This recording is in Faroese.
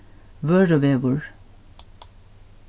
vørðuvegur